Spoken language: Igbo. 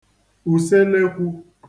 ùselekwū